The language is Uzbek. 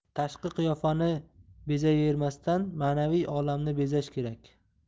tashqi qiyofani bezayvermasdan ma'naviy olamni bezash kerak